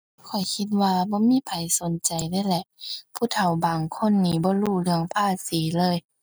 ข้อยคิดว่าบ่มีไผสนใจเลยแหละ ผู้เฒ่าบางคนนี่บ่รู้เรื่องภาษีเลย